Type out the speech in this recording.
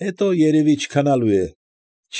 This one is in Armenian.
Հետո երևի չքանալու է։